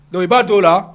Donc i b'a don o la